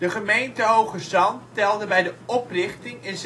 gemeente Hoogezand telde bij de oprichting in